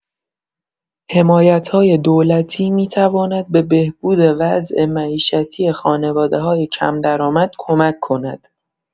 حمایت‌های دولتی می‌تواند به بهبود وضع معیشتی خانواده‌های کم‌درآمد کمک کند.